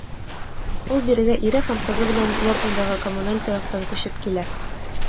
Ул бирегә ире һәм кызы белән Лобнядагы коммуналь торактан күчеп килә.